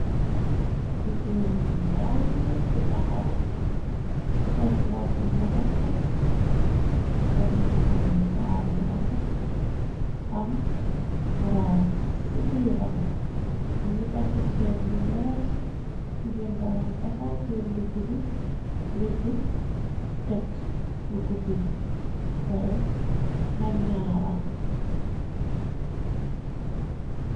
jigéen bu yanj bu tahow soul robb bu rafet robb bu doomi taal bu rafet am oraang ci biiram mi ngi takk jeen bu wax jigeen ba ngi tahow wtee ndigri letu tekk ba guddu bu pare nga ñaaral.